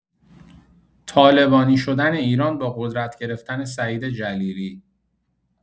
طالبانی شدن ایران با قدرت گرفتن سعید جلیلی